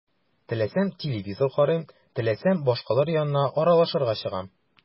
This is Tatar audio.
Теләсәм – телевизор карыйм, теләсәм – башкалар янына аралашырга чыгам.